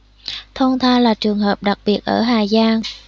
thôn tha là trường hợp đặc biệt ở hà giang